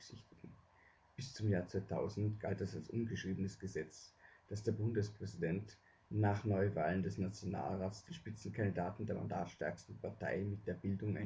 Bis zum Jahr 2000 galt es als ungeschriebenes Gesetz, dass der Bundespräsident nach Neuwahlen des Nationalrats den Spitzenkandidaten der mandatsstärksten Partei mit der Bildung einer